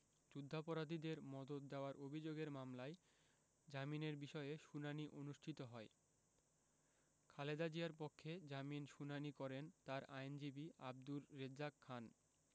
যুদ্ধাপরাধীদের মদদ দেওয়ার অভিযোগের মামলার জামিনের বিষয়ে শুনানি অনুষ্ঠিত হয় খালেদা জিয়ার পক্ষে জামিন শুনানি করেন তার আইনজীবী আব্দুর রেজ্জাক খান